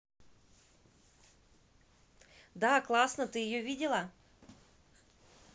да классно ты ее видела